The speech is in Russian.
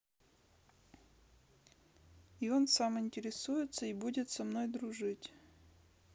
и он сам интересуется и будет со мной дружить